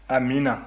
amiina